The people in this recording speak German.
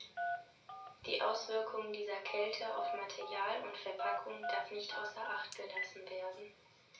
Die Auswirkungen dieser Kälte auf Material und Verpackung darf nicht außer acht gelassen werden.